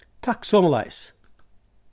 takk somuleiðis